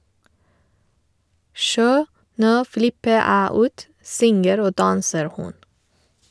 - Sjå, no flippe æ ut, synger og danser hun.